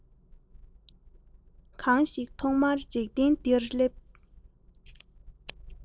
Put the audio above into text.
བ གླང མི ཁྱུར བཅུག གནང